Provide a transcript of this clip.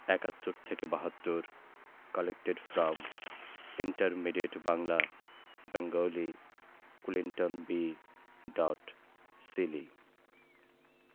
৭১ থেকে ৭২ collected from intermediate Bangla Bengali Clinton B dot Seely